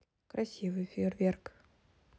красивый фейерверк